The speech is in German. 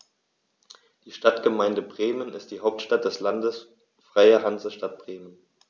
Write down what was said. Die Stadtgemeinde Bremen ist die Hauptstadt des Landes Freie Hansestadt Bremen.